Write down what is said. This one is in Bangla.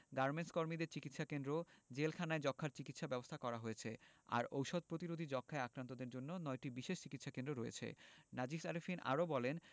গার্মেন্টকর্মীদের চিকিৎসাকেন্দ্র জেলখানায় যক্ষ্মার চিকিৎসা ব্যবস্থা করা হয়েছে আর ওষুধ প্রতিরোধী যক্ষ্মায় আক্রান্তদের জন্য ৯টি বিশেষ চিকিৎসাকেন্দ্র রয়েছে নাজিস আরেফিন আরো বলেন